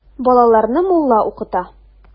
Балаларны мулла укыта.